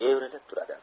evrilib turadi